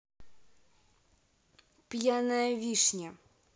пьяная вишня